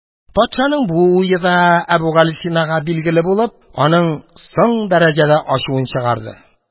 Патшаның бу уе да Әбүгалисинага билгеле булып, аның соң дәрәҗәдә ачуын чыгарды.